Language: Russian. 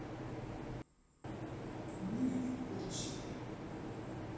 нина ты конченная